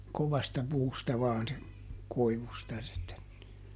kovasta puusta vain se koivusta -